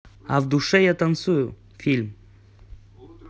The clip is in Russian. а в душе я танцую фильм